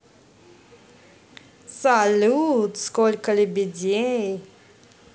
салют сколько лебедей